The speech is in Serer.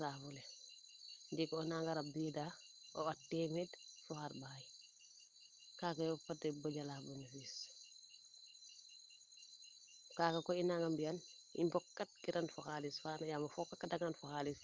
fo saafu le ndiiki ona nga rab diida o at temeed fo xarɓaxay kga yo ka et ko tegala benefice kaga koy ina nga mbiyan i mbokat kiran fo xalis faana yaam o fokatangaan fo xalis fee